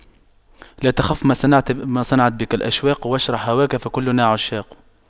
لا تخف ما صنعت بك الأشواق واشرح هواك فكلنا عشاق